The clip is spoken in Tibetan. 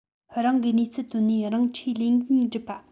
རང གི ནུས རྩལ བཏོན ནས རང འཁྲིའི ལས འགན སྒྲུབ པ